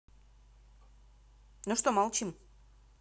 ну что молчим